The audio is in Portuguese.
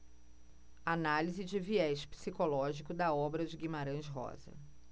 análise de viés psicológico da obra de guimarães rosa